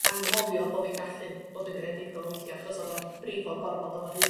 anghofio bo' fi'n gallu bod yn greadigol weithia' achos odd o'n brifo gormod odd o'n rhy